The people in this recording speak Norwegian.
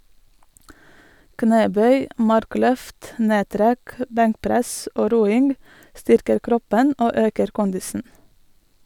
Knebøy, markløft, nedtrekk, benkpress og roing styrker kroppen og øker kondisen.